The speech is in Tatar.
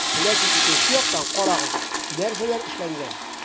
Ләкин икенче яктан - карагыз, нәрсәләр эшләнгән.